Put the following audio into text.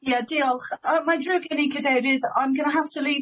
Ie diolch yy mae'n drwg gen i cadeirydd I'm gonna have